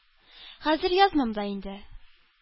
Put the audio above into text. Хәзер язмам да инде.